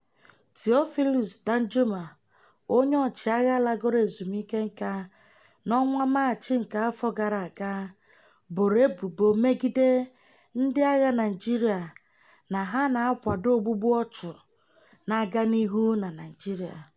Theophilus Danjuma, onye ọchịagha lagoro ezumike nka, n'ọnwa Maachị nke afọ gara aga boro ebubo megide "ndị agha Naịjirịa na ha na-akwado ogbugbu ọchụ na-aga n'ihu na Naịjirịa".